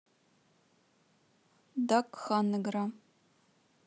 дак хан игра